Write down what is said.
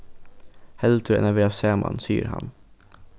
heldur enn at vera saman sigur hann